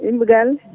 no yimɓe galle